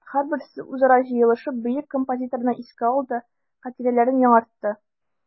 Һәрберсе үзара җыелышып бөек композиторны искә алды, хатирәләрен яңартты.